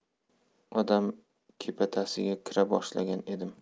odam kepatasiga kira boshlagan edim